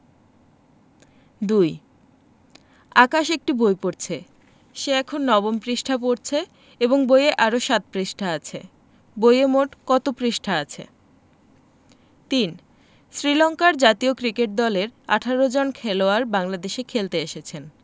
২ আকাশ একটি বই পড়ছে এখন সে নবম পৃষ্ঠা পড়ছে এবং বইয়ে আরও ৭ পৃষ্ঠা আছে বইয়ে মোট কত পৃষ্ঠা আছে ৩ শ্রীলংকার জাতীয় ক্রিকেট দলের ১৮ জন খেলোয়াড় বাংলাদেশে খেলতে এসেছেন